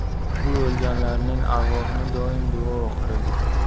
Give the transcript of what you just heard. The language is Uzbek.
u o'lganlarning arvohini doim duo o'qir edi